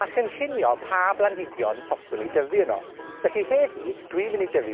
a chynllunio pa blanhigion hoffwn ni dyfu yno. Felly heddi, dwi mynd i dyfu